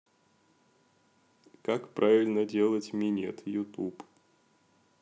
как правильно делать минет ютуб